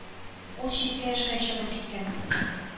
Ул читкә эшкә чыгып киткән